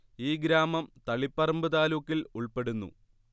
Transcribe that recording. ഈ ഗ്രാമം തളിപ്പറമ്പ് താലൂക്കിൽ ഉൾപ്പെടുന്നു